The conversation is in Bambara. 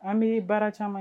An bɛ baara caaman